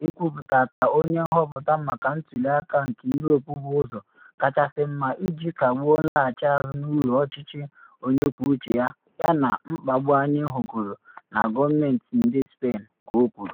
“Ịkwụpụta ka onye nhọpụta maka ntuli aka nke Europe bụ ụzọ kachasị mma iji kagbuo nlaghachi azụ n’uru ọchịchị onye kwuo uche ya yana mkpagbu anyị hụgoro na gọọmentị ndị Spain,” ka o kwuru.